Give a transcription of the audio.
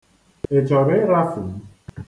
Ị chọrọ ịrafu m?